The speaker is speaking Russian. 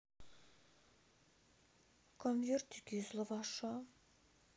конвертики из лаваша